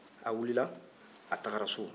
a wulila a tara so